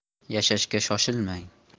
yashashga shoshilmang